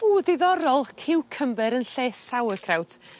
Ww diddorol ciwcymbyr yn lle sauerkraut.